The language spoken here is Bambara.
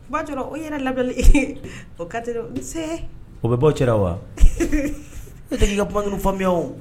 U b'a dɔrɔn o yɛrɛ labilali fo kate o bɛ bɔ cɛla wa ne tɛ' ka kumaɲ fɔmiya